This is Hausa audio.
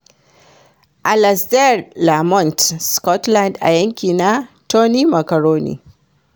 Alasdair Lamont Scotland a Yanki na Tony Macaroni